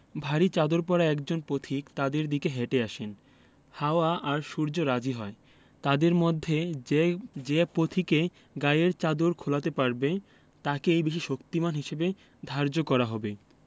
ভারি চাদর পরা একজন পথিক তাদের দিকে হেটে আসেন হাওয়া আর সূর্য রাজি হয় তাদের মধ্যে যে পথিকে গায়ের চাদর খোলাতে পারবে তাকেই বেশি শক্তিমান হিসেবে ধার্য করা হবে